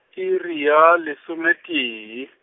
iri ya lesometee.